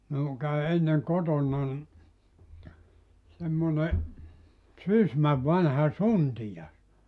minun kävi ennen kotonani semmoinen Sysmän vanha suntio